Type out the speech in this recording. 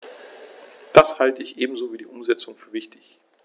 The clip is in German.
Das halte ich ebenso wie die Umsetzung für wichtig.